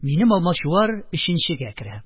Минем Алмачуар өченчегә керә.